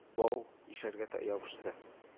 Бау ишәргә тә ябышты